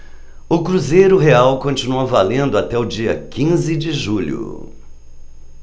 o cruzeiro real continua valendo até o dia quinze de julho